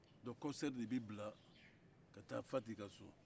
donc kɔkisɛri de b'i bila ka taa fati ka so